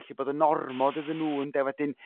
gallu bod yn ormod iddyn nhw ynde wedyn